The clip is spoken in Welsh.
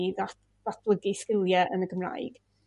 i ddat- ddatblygu sgilie yn y Gymraeg.